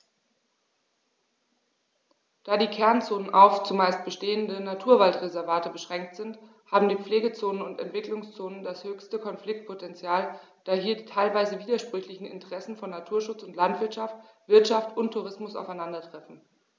Da die Kernzonen auf – zumeist bestehende – Naturwaldreservate beschränkt sind, haben die Pflegezonen und Entwicklungszonen das höchste Konfliktpotential, da hier die teilweise widersprüchlichen Interessen von Naturschutz und Landwirtschaft, Wirtschaft und Tourismus aufeinandertreffen.